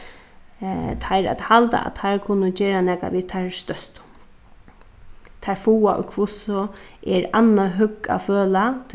teir at halda at teir kunnu gera nakað við teir størstu teir fáa í hvussu er annað høgg at føla